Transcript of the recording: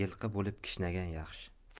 yilqi bo'lib kishnagan yaxshi